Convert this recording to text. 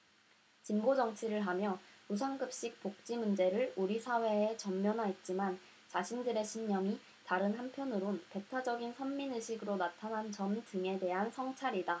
진보정치를 하며 무상급식 복지 문제를 우리 사회에 전면화했지만 자신들의 신념이 다른 한편으론 배타적인 선민의식으로 나타난 점 등에 대한 성찰이다